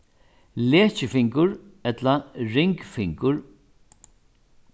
lekifingur ella ringfingur